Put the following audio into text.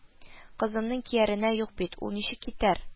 – кызымның кияренә юк бит, ул ничек китәр